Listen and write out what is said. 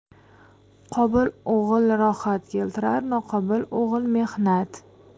qobil o'g'il rohat keltirar noqobil o'g'il mehnat